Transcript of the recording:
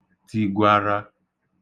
tīgwārā